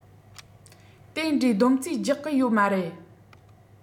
དེ འདྲའི སྡོམ རྩིས རྒྱགས གི ཡོད མ རེད